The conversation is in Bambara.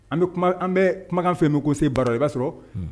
An bɛ kuma an bɛ kumakan fɛn mɛn ko se baara i b'a sɔrɔ